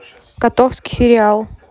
котовский сериал